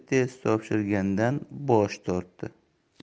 test topshirishdan bosh tortdi